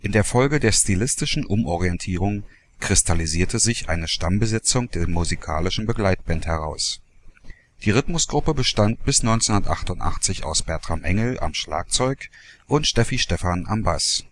der Folge der stilistischen Umorientierung kristallisierte sich eine Stammbesetzung der musikalischen Begleitband heraus. Die Rhythmusgruppe bestand bis 1988 aus Bertram Engel (Schlagzeug) und Steffi Stephan (Bass